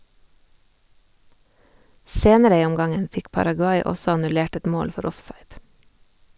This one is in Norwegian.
Senere i omgangen fikk Paraguay også annullert et mål for offside.